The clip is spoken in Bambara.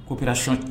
Ko kɛrarac